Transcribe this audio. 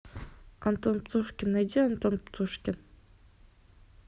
антон птушкин найди антон птушкин